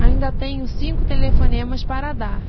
ainda tenho cinco telefonemas para dar